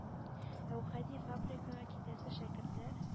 -әүхәди, фабрикага китәсе шәкертләр